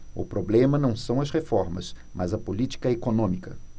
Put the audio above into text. o problema não são as reformas mas a política econômica